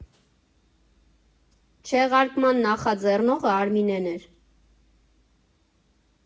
Չեղարկման նախաձեռնողը Արմինեն էր։